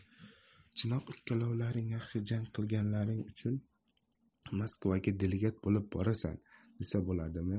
chinoq ikkovlaring yaxshi jang qilganlaring uchun maskovga diligat bo'lib borasan desa bo'ladimi